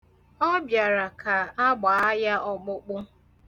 Ọ bịara ka agba ya ọkpụpkụ.